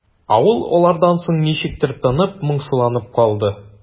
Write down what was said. Авыл алардан соң ничектер тынып, моңсуланып калды.